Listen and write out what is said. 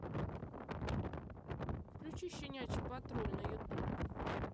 включи щенячий патруль на ютуб